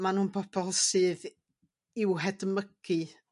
ma' nhw'n bobol sydd i i'w hedmygu.